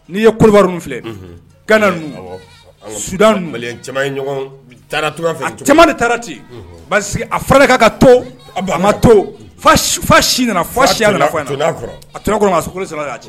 N'i ye kulubali filɛ taara cɛman ni taara ten parce a ka ka to a ma to fa si nana si a tora cɛ